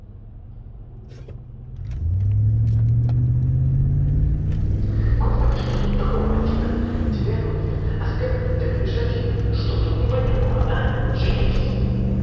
господи что тут такого афина тебя любит а сбер ты любишь афину что тут непонятного а женитесь